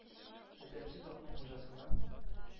Әдәпсез атның хуҗасына: